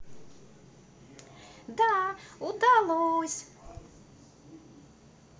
да удалось